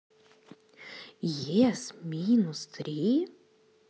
ес минус три